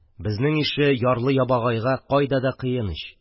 Безнең ише ярлы-ябагайга кайда да кыен ич.